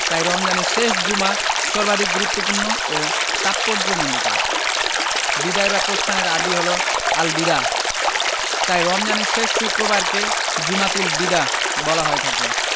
তাই রমজানের শেষ জুমা সর্বাধিক গুরুত্বপূর্ণ ও তাৎপর্যমণ্ডিত বিদায় বা প্রস্থানের আরবি হলো আল বিদা তাই রমজানের শেষ শুক্রবারকে জুমাতুল বিদা বলা হয়ে থাকে